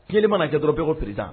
Ɲɛnli mana jɛ dɔrɔn bɛɛkorid